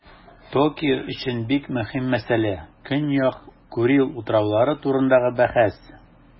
Токио өчен бик мөһим мәсьәлә - Көньяк Курил утраулары турындагы бәхәс.